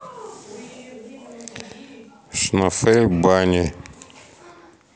шнафель банни